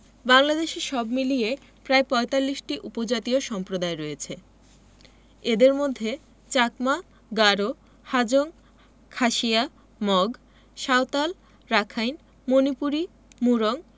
বাংলাদেশে সব মিলিয়ে প্রায় ৪৫টি উপজাতীয় সম্প্রদায় রয়েছে এদের মধ্যে চাকমা গারো হাজং খাসিয়া মগ সাঁওতাল রাখাইন মণিপুরী মুরং